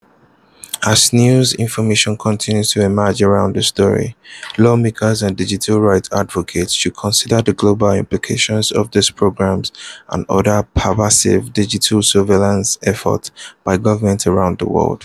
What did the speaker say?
As new information continues to emerge around this story, lawmakers and digital rights advocates should consider the global implications of these programs and other pervasive digital surveillance efforts by governments around the world.